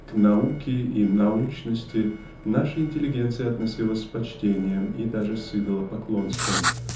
К "науке" и "научности" наша интеллигенция относилась с почтением и даже с идолопоклонством